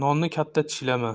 nonni katta tishlama